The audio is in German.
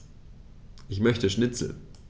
Ich möchte Schnitzel.